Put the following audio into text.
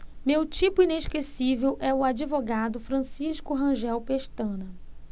meu tipo inesquecível é o advogado francisco rangel pestana